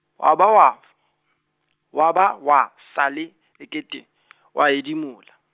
wa ba wa, wa ba wa, sale, e kete , wa edimola.